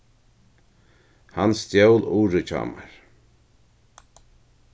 hann stjól urið hjá mær